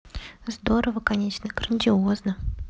здорово конечно грандиозно